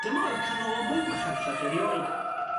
Dyma oedd canolbwynt Machynlleth erioed.